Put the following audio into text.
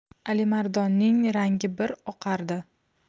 alimardonning rangi bir oqardi